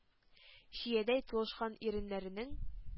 Чиядәй тулышкан иреннәренең,